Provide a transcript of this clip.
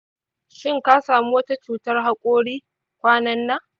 shin ka samu wata cutar haƙori kwanan nan?